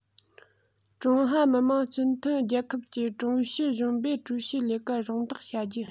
ཀྲུང ཧྭ མི དམངས སྤྱི མཐུན རྒྱལ ཁབ ཀྱི ཀྲུའུ ཞི གཞོན པས ཀྲུའུ ཞིའི ལས ཀར རོགས འདེགས བྱ རྒྱུ